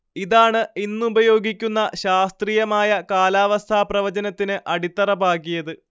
ഇതാണ് ഇന്ന് ഉപയോഗിക്കുന്ന ശാസ്ത്രീയമായ കാലാവസ്ഥാപ്രവചനത്തിന് അടിത്തറ പാകിയത്